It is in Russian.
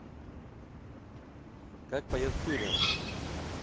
как поет хюррем